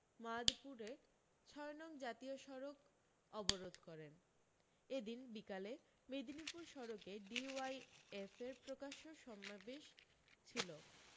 মাদপুরে ছয় নং জাতীয় সড়ক অবরোধ করেন এদিন বিকালে মেদিনীপুর শরকে ডি ওয়াই এফের প্রকাশ্য সমাবেশ ছিল